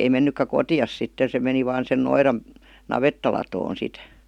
ei mennytkään kotiinsa sitten se meni vain sen noidan navettalatoon sitten